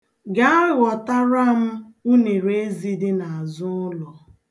Gaa, ghọtara m unerezi dị n'azụ ụlọ.